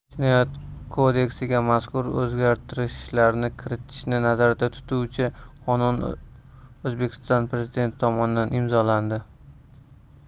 jinoyat kodeksiga mazkur o'zgartishlarni kiritishni nazarda tutuvchi qonun o'zbekiston prezidenti tomonidan imzolandi